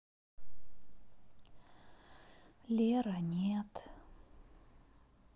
лера нет